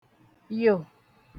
yò